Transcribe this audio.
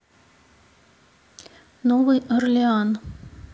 новый орлеан